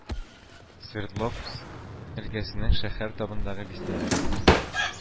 Свердловск өлкәсенең шәһәр тибындагы бистәләре